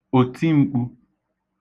òtim̄kpū